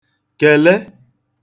kèle